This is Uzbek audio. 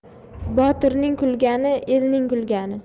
botirning kulgani elning kulgani